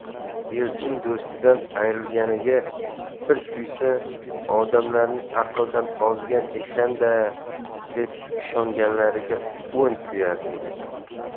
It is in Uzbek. elchin do'stidan ayrilganiga bir kuysa odamlarning aqldan ozgan ekanda a deb ishonganlariga o'n kuyar edi